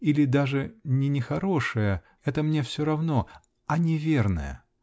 или даже не нехорошее, это мне все равно, а неверное.